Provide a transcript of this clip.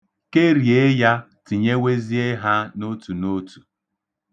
Kerie ya tinyewezie ha n'otu n'otu.